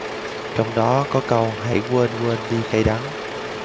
trong đó có câu hãy quên quên đi cay đắng